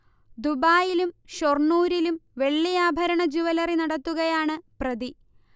ദുബായിലും ഷൊർണൂരിലും വെള്ളി ആഭരണ ജൂവലറി നടത്തുകയാണ് പ്രതി